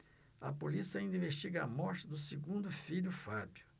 a polícia ainda investiga a morte do segundo filho fábio